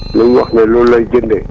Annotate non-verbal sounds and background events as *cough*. lim wax ne loolu lay jëndee *noise*